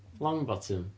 Longbottom?